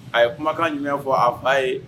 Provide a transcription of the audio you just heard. A ye kumakan ɲin fɔ a' ye